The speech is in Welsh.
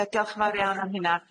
Ie diolch yn fawr iawn am hynna.